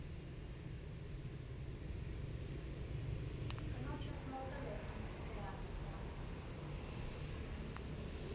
Կնոջս մոտ էլ էր նույն ռեակցիան։